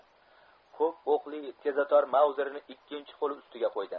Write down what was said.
ko'p o'qli tezotar mauzemi ikkinchi qo'li ustiga qo'ydi